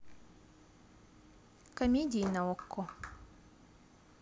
комедии на окко